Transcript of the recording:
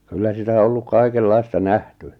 kyllä sitä on ollut kaikenlaista nähty